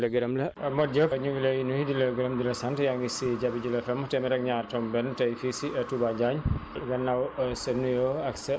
jërëjëf Penda Ndiaye sant nañ la gërëm la Modou Diop ñu ngi lay nuyu di la gërëm di la sant yaa ngi si Jabi jula FM téeméer ak ñaar tomb benn tey fii si Touba Njaañ